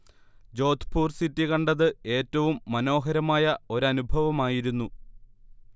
Jodhpur city കണ്ടത് ഏറ്റവും മനോഹരമായ ഒരനുഭവമായിരുന്നു